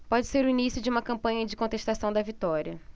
pode ser o início de uma campanha de contestação da vitória